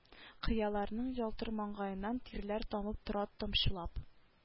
Кыяларның ялтыр маңгаеннан тирләр тамып тора тамчылап